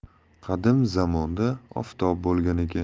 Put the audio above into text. qadim zamonda oftob bo'lgan ekan